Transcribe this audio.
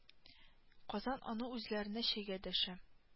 Казан аны үзләренә чәйгә дәшә